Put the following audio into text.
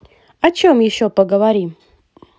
о чем еще поговорим